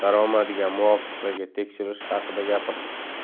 daromadiga muvofiqligi tekshirilishi haqida gapirdi